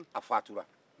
a faatura